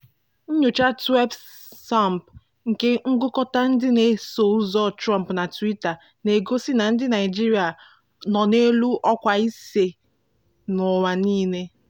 Nnyocha Tweepsmap nke ngụkọta ndị na-eso ụzọ Trump na Twitter na-egosi na ndị Naịjirịa nọ n'elu ọkwa ise n'ụwa niile: